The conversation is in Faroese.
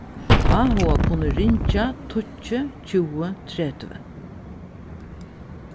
áhugað kunnu ringja tíggju tjúgu tretivu